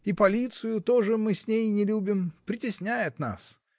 И полицию тоже мы с ней не любим, притесняет нас.